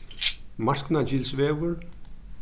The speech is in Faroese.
marknagilsvegur